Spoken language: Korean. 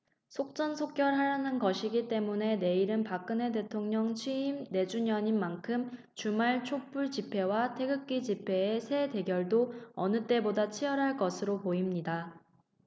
속전속결 하려는 것이기 때문에 내일은 박근혜 대통령 취임 네 주년인 만큼 주말 촛불집회와 태극기집회의 세 대결도 어느 때보다 치열할 것으로 보입니다